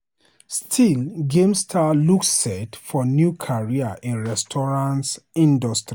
Still Game star looks set for new career in restaurant industry